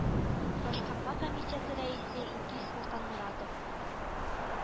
Башкарма комитеты рәисе илгиз солтанморатов